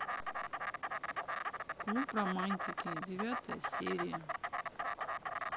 клуб романтики девятая серия